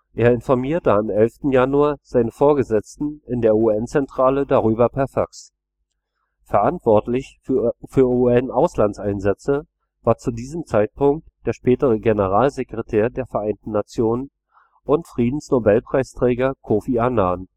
Er informierte am 11. Januar seine Vorgesetzten in der UN-Zentrale darüber per Fax. Verantwortlich für UN-Auslandseinsätze war zu diesem Zeitpunkt der spätere Generalsekretär der Vereinten Nationen und Friedensnobelpreisträger Kofi Annan